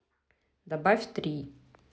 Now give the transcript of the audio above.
добавь три